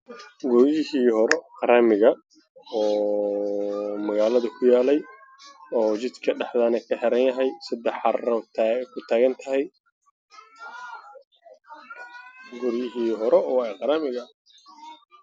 Meeshan waxaa ka muuqday dhismahii hore ee uga hore